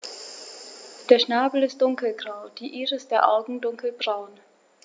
Der Schnabel ist dunkelgrau, die Iris der Augen dunkelbraun.